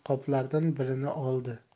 qoplardan birini oldi